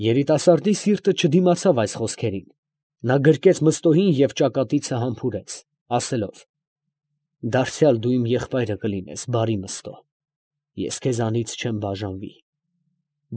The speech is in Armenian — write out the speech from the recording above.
Երիտասարդի սիրտը չդիմացավ այս խոսքերին, նա գրկեց Մըստոյին, և ճակատիցը համբուրեց, ասելով. ֊ Դարձյալ դու իմ եղբայրը կլինես, բարի Մըստո, ես քեզանից չեմ բաժանվի։